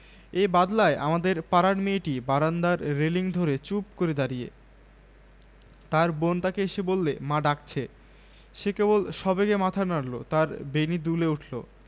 সেই স্মরণ বিস্মরণের অতীত কথা আজ বাদলার কলকণ্ঠে ঐ মেয়েটিকে এসে ডাক দিলে ও তাই সকল বেড়ার বাইরে চলে গিয়ে হারিয়ে গেল